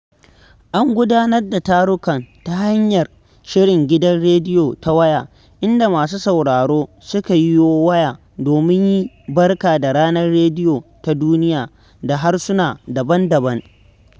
An gudanar da tararrukan ta hanyar shirin gidan rediyo ta waya, inda masu sauraro suka yiwo waya domin yi 'barka da Ranar Rediyo Ta Duniya'' da harsuna daban-daban.